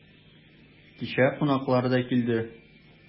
Кичә кунаклар да килде.